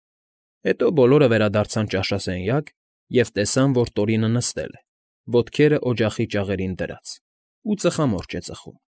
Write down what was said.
Հետո բոլորը վերադարձան ճաշասենյակ և տեսան, որ Տորինը նստել է, ոտքերը օջախի ճաղերին դրած, ու ծխամորճ է ծխում։